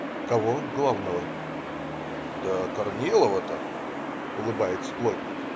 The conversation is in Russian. "Кого, главного?" - "Да Корнилова-то",- улыбается плотник.